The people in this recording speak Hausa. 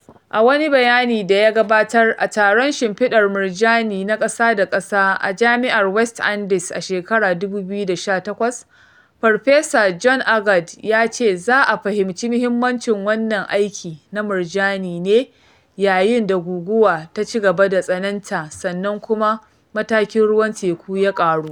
A wani bayani da ya gabatar a taron shimfiɗar murjani na ƙasa da ƙasa a Jami'ar West Indies a shekarar 2018, Farfesa John Agard ya ce za a fahimci muhimmancin wannan aiki na murjani ne yayin da guguwa ta cigaba da tsananta sannan kuma matakin ruwan teku ya ƙaru.